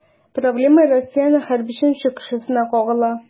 Проблема Россиянең һәр бишенче кешесенә кагыла.